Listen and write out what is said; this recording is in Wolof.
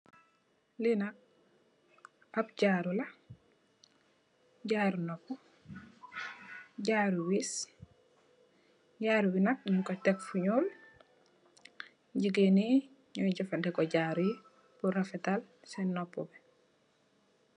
Linak ab jaru la jaru nopu ,jaru wees jaru binak ñuñ gko tek fu null, jigeen nuyi jahfardeko jaru yi porr rafectal sen nop.